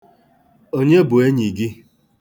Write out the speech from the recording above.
Onye bụ enyi gị?